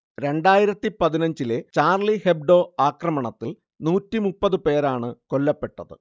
രണ്ടായിരത്തിപ്പത്തിനഞ്ചിലെ Charlie Hebdo ആക്രമണത്തിൽ നൂറ്റിമുപ്പതു പേരാണ് കൊല്ലപ്പെട്ടത്